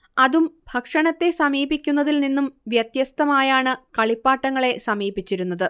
അതും ഭക്ഷണത്തെ സമീപിക്കുന്നതിൽ നിന്നും വ്യത്യസ്തമായാണ് കളിപ്പാട്ടങ്ങളെ സമീപിച്ചിരുന്നത്